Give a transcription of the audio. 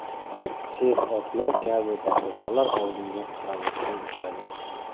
tez otlar kabi daqiqalar oldinga qaramasdan uchadi